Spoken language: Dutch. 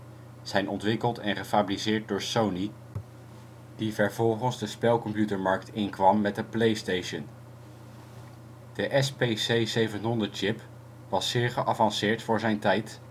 zijn ontwikkeld en gefabriceerd door Sony, die vervolgens de spelcomputermarkt inkwam met de PlayStation. De SPC700-chip was zeer geavanceerd voor zijn tijd